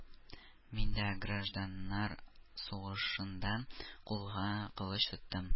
Мин дә гражданнар сугышында кулга кылыч тоттым